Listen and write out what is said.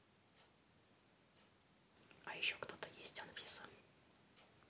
а еще кто то есть анфиса